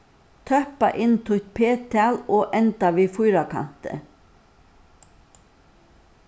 tøppa inn títt p-tal og enda við fýrakanti